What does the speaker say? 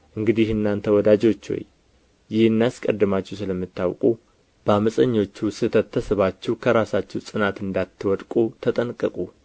እንግዲህ እናንተ ወዳጆች ሆይ ይህን አስቀድማችሁ ስለምታውቁ በዓመፀኞቹ ስሕተት ተስባችሁ ከራሳችሁ ጽናት እንዳትወድቁ ተጠንቀቁ